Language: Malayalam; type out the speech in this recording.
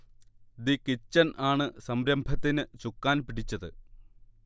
'ദി കിച്ചൺ' ആണ് സംരംഭത്തിന് ചുക്കാൻ പിടിച്ചത്